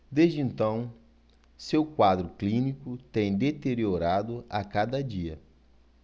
desde então seu quadro clínico tem deteriorado a cada dia